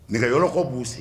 Nɛjɔlɔkɔ b'u sen